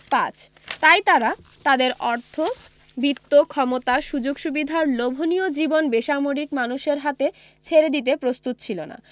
৫ তাই তারা তাদের অর্থ বিত্ত ক্ষমতা সুযোগ সুবিধার লোভনীয় জীবন বেসামরিক মানুষের হাতে ছেড়ে দিতে প্রস্তুত ছিল না